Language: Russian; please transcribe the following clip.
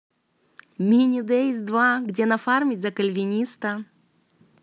mini dayz два где нафармить за кальвиниста